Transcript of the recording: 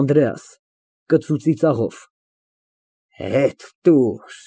ԱՆԴՐԵԱՍ ֊ (Կծու ծիծաղ) Հա, հա, հա, հետ տուր։